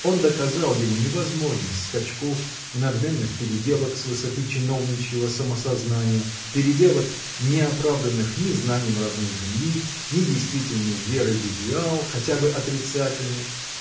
Он доказал ему невозможность скачков и надменных переделок с высоты чиновничьего самосознания -- переделок, не оправданных ни знанием родной земли, ни действительной верой в идеал, хотя бы отрицательный